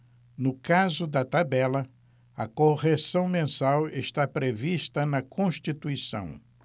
no caso da tabela a correção mensal está prevista na constituição